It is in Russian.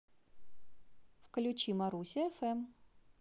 включи маруся фм